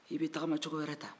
i bɛ tagamacogo wɛrɛ ta